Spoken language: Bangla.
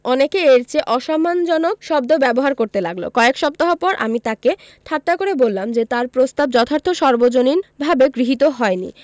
অনেকে এর চেয়ে অসম্মানজনক শব্দ ব্যবহার করতে লাগল কয়েক সপ্তাহ পর আমি তাঁকে ঠাট্টা করে বললাম যে তাঁর প্রস্তাব যথার্থ সর্বজনীনভাবে গৃহীত হয়নি